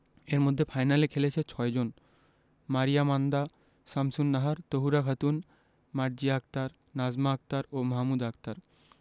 এর মধ্যে ফাইনালে খেলেছে ৬ জন মারিয়া মান্দা শামসুন্নাহার তহুরা খাতুন মার্জিয়া আক্তার নাজমা আক্তার ও মাহমুদা আক্তার